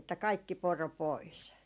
että kaikki poro pois